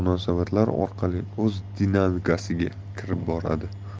munosabatlar orqali o'z dinamikasiga kirib boradi